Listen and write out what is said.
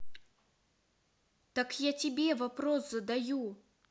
так я тебе вопрос задаю